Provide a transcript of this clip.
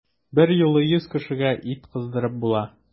Берьюлы йөз кешегә ит кыздырып була!